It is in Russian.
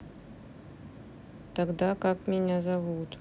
тогда как меня зовут